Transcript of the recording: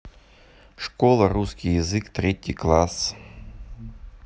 школа русский язык третий класс